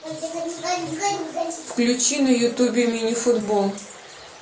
включи на ютубе минифутбол